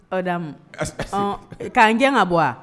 O da k' n gɛn ka bɔ wa